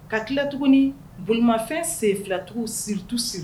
Ka tila tuguni bolimafɛn sen filatigiw siritu siri